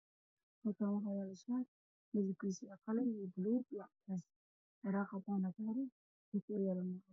Halkaan waxaa yaalo shaar midabkiisu waa qalin, buluug iyo cadeys, waraaq cadaan kudhagan dhulka uu yaalo waa cadeys.